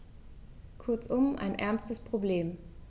Kurzum, ein ernstes Problem.